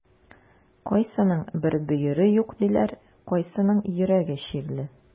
Кайсының бер бөере юк диләр, кайсының йөрәге чирле.